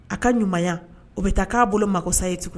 A ka ɲumanya, o bɛ taa k'a bolo makosa ye tuguni.